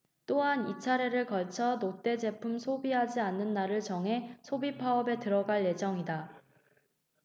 또한 이 차례에 걸쳐 롯데 제품 소비하지 않는 날을 정해 소비 파업에 들어갈 예정이다